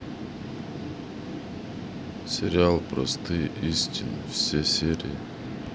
сериал простые истины все серии